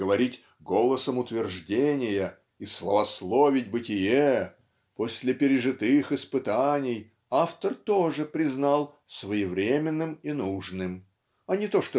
говорить "голосом утверждения" и славословить бытие" "после пережитых испытаний" автор тоже признал "своевременным и нужным" -- а не то